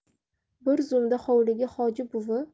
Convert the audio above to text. bir zumda hovliga hoji buvi